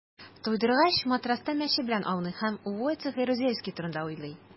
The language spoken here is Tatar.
Туйдыргач, матраста мәче белән ауный һәм Войцех Ярузельский турында уйлый.